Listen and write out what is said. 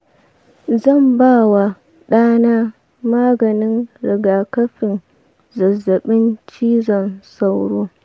zan ba wa ɗana maganin rigakafin zazzabin cizon sauro.